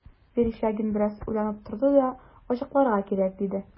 Верещагин бераз уйланып торды да: – Ачыкларга кирәк,– диде.